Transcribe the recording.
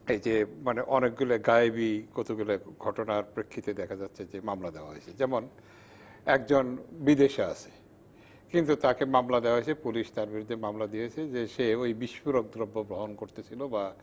এই যে মানে অনেকগুলো গায়েবী কতগুলো ঘটনার প্রেক্ষিতে দেখা যাচ্ছে যে মামলা দেয়া হয়েছে যেমন একজন বিদেশে আছে কিন্তু তাকে মামলা দেয়া হয়েছে পুলিশ তার বিরুদ্ধে মামলা দিয়েছে যে সে ওই বিস্ফোরক দ্রব্য বহন করতে ছিল বা